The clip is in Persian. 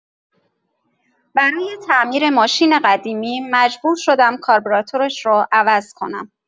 برای تعمیر ماشین قدیمیم، مجبور شدم کاربراتورش رو عوض کنم.